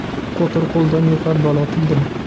qo'tir qo'ldan yuqar balo tildan